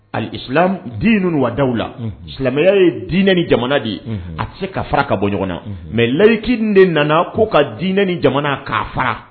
Ali di ninnu wagada la silamɛya ye dinɛ ni jamana de ye a tɛ se ka fara ka bɔ ɲɔgɔn na mɛ layiki de nana ko ka diinɛ ni jamana k'a fara